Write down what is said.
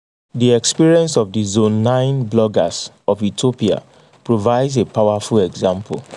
The experience of the Zone9 bloggers of Ethiopia provides a powerful example.